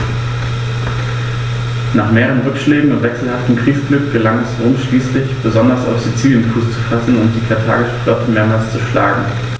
Nach mehreren Rückschlägen und wechselhaftem Kriegsglück gelang es Rom schließlich, besonders auf Sizilien Fuß zu fassen und die karthagische Flotte mehrmals zu schlagen.